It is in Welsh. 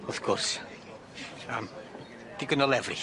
Wrth gwrs yym digon o lefrith.